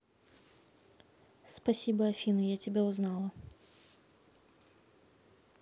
спасибо афина я тебя узнала